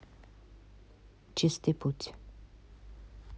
чистый путь